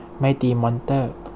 ไม่ตีมอนเตอร์